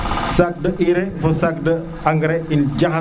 sac de urée fo sac de engrais